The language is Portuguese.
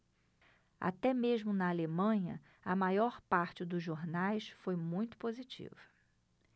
até mesmo na alemanha a maior parte dos jornais foi muito positiva